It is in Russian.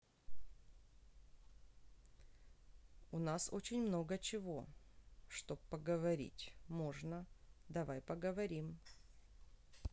у нас очень много чего чтоб поговорить можно давай поговорим